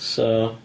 So...